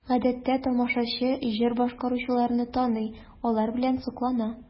Гадәттә тамашачы җыр башкаручыларны таный, алар белән соклана.